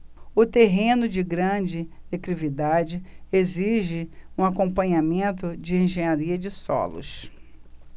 o terreno de grande declividade exige um acompanhamento de engenharia de solos